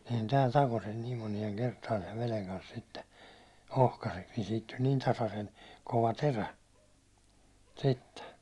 sehän täällä takoi sen niin monien kertaan sen veden kanssa sitten ohkaiseksi niin siitä tuli niin tasaisen kova terä sitten